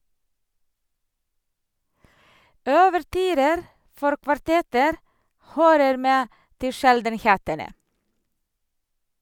Ouverturer for kvartetter hører med til sjeldenhetene.